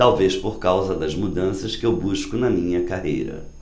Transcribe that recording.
talvez por causa das mudanças que eu busco na minha carreira